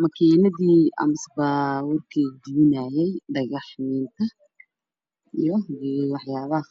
Makiinad shiideyso dhagaxaan oo kalarkeedu yahay cagaar